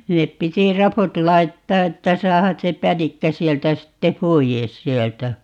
sinne piti raput laittaa että saada se pänikkä sieltä sitten pois sieltä